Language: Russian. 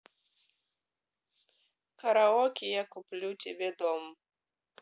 караоке я куплю тебе дом